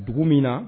Dugu min na